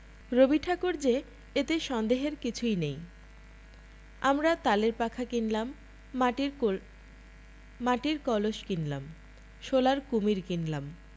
রবিঠাকুর যে এতে সন্দেহের কিছুই নেই আমরা তালের পাখা কিনলাম মার্টির মার্টির কলস কিনলাম সোলার কুমীর কিনলীম